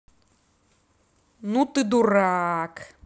ну ты дурак